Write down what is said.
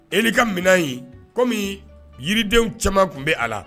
E ni ka minɛn in komi yiridenw cɛman tun bɛ ala